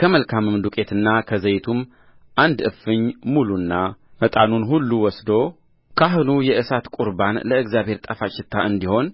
ከመልካም ዱቄቱና ከዘይቱም አንድ እፍኝ ሙሉና ዕጣኑን ሁሉ ወስዶ ካህኑ የእሳት ቍርባን ለእግዚአብሔር ጣፋጭ ሽታ እንዲሆን